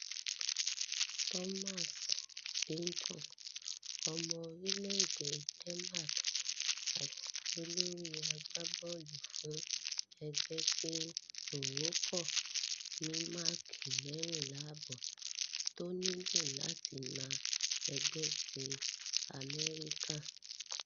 Thomas Bjorn, ọmọ orílẹ̀-èdè Denmark àti olórí agbábọ́ọlù fún ẹgbẹ́ ti Úróópù ní máàkì 14.5 t’ọ́n nílò láti na ẹgbẹ́ ti Amẹ́ríkà.